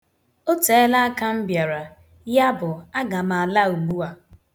O teela aka m bịara, yabụ, a ga m ala ugbu a.